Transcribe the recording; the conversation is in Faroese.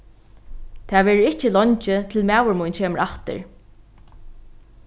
tað verður ikki leingi til maður mín kemur aftur